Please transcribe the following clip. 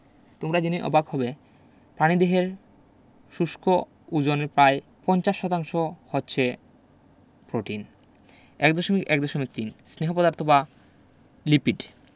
তোমরা জেনে অবাক হবে প্রাণীদেহের শুষ্ক ওজনের প্রায় ৫০% হচ্ছে প্রোটিন ১.১.৩ স্নেহ পদার্থ বা লিপিড